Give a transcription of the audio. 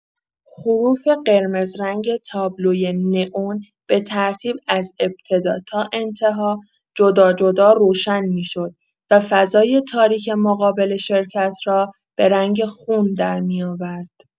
حروف قرمزرنگ تابلوی نئون به ترتیب از ابتدا تا انتها جداجدا روشن می‌شد و فضای تاریک مقابل شرکت را به رنگ خون درمی‌آورد.